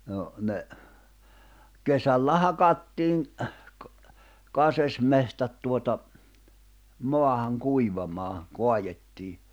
no ne kesällä hakattiin kaskesmetsät tuota maahan kuivamaan kaadettiin